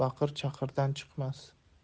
baqir chaqirdan chiqmas